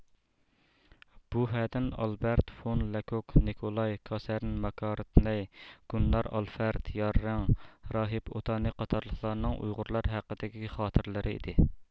بۇ ھەدىن ئالبەرت فون لەكوك نىكولاي كاسەرىن ماكارتنەي گۇننار ئالفەرد ياررىڭ راھىب ئوتانى قاتارلىقلارنىڭ ئۇيغۇرلار ھەققىدىكى خاتىرىلىرى ئىدى